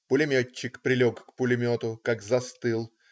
Пулеметчик прилег к пулемету, как застыл.